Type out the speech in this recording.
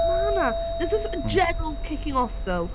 Mae 'na. There's this general kicking off, though.